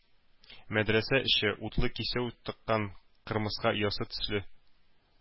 Мәдрәсә эче, утлы кисәү тыккан кырмыска оясы төсле,